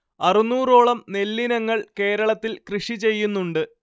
അറുന്നൂറോളം നെല്ലിനങ്ങൾ കേരളത്തിൽ കൃഷിചെയ്യുന്നുണ്ട്